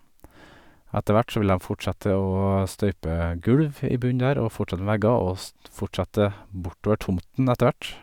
Etter hvert så vil dem fortsette å støype gulv i bunn der og fortsette med vegger og s fortsette bortover tomten etter hvert.